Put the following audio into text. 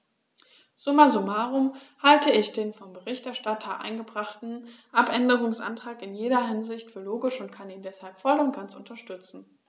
Summa summarum halte ich den von dem Berichterstatter eingebrachten Abänderungsantrag in jeder Hinsicht für logisch und kann ihn deshalb voll und ganz unterstützen.